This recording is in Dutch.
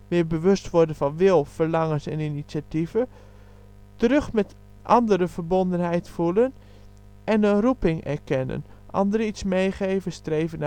weer bewust worden van wil, verlangens en initiatieven), terug met anderen verbondenheid voelen en een roeping erkennen (anderen iets meegeven, streven